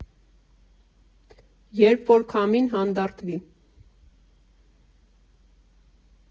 Երբ որ քամին հանդարտվի…